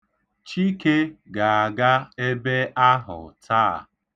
Chike ga-aga ebe ahụ taa.